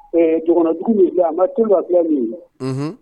Ɛɛ dɔgɔnɔdugu min filɛ Amadu Toloba filɛ nin ye unhun